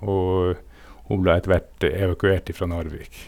Og hun ble etterhvert evakuert ifra Narvik.